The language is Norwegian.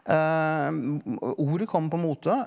ordet kom på mote.